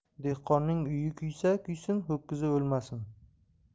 dehqonning uyi kuysa kuysin ho'kizi o'lmasin